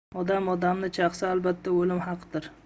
odam odamni chaqsa albatta o'lim haqdir